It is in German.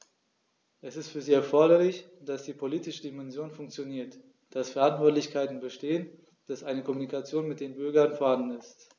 Es ist für sie erforderlich, dass die politische Dimension funktioniert, dass Verantwortlichkeiten bestehen, dass eine Kommunikation mit den Bürgern vorhanden ist.